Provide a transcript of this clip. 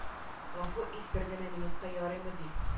Гафу ит бер генә минутка ярыймы ди